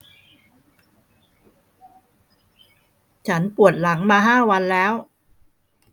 ฉันปวดหลังมาห้าวันแล้ว